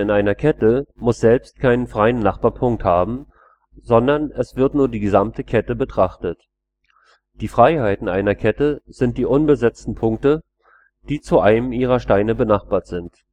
einer Kette muss selbst keinen freien Nachbarpunkt haben, sondern es wird nur die gesamte Kette betrachtet. Die Freiheiten einer Kette sind die unbesetzten Punkte, die zu einem ihrer Steine benachbart sind